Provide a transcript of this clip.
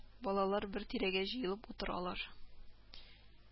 Балалар бер тирәгә җыелып утыралар